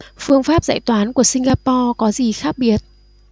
phương pháp dạy toán của singapore có gì khác biệt